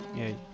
eyyi